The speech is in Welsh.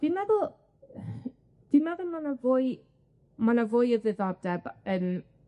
Fi'n meddwl dwi'n meddwl ma' 'na fwy ma' 'na fwy o ddiddordeb yn